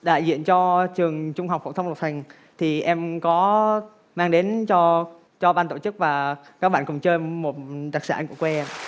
đại diện cho trường trung học phổ thông lộc thành thì em có mang đến cho cho ban tổ chức và các bạn cùng chơi một đặc sản của quê em